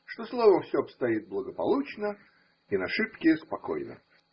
что, словом, все обстоит благополучно и на Шипке спокойно.